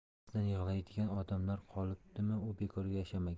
orqasidan yig'laydigan odamlar qolibdimi u bekorga yashamagan